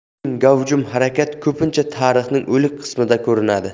eng gavjum harakat ko'pincha tarixning o'lik qismida ko'rinadi